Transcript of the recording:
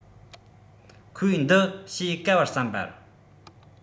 ཁོས འདི ཕྱེ དཀའ བར བསམ པར